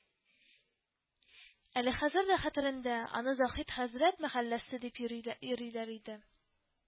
Әле хәзер дә хәтерендә, аны Заһид хәзрәт мәхәлләсе дип йөри йөриләр иде